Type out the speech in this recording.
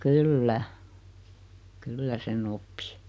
kyllä kyllä sen oppi